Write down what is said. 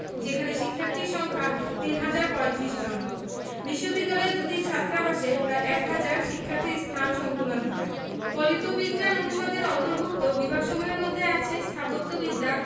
যেখানে শিক্ষার্থীর সংখ্যা ৩ হাজার ৩৫ জন বিশ্ববিদ্যালয়ের দুটি ছাত্রাবাসে প্রায় এক হাজার শিক্ষার্থীর স্থান সংকুলান হয় ফলিত বিজ্ঞান অনুষদের অন্তর্ভুক্ত বিভাগসমূহের মধ্যে আছে স্থাপত্যবিদ্যা